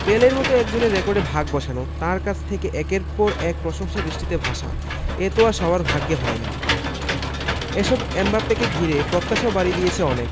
পেলের মতো একজনের রেকর্ডে ভাগ বসানো তাঁর কাছ থেকে একের পর এক প্রশংসাবৃষ্টিতে ভাসা এ তো আর সবার ভাগ্যে হয় না এসব এমবাপ্পেকে ঘিরে প্রত্যাশাও বাড়িয়ে দিয়েছে অনেক